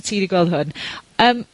...ti 'di gweld hwn, yym,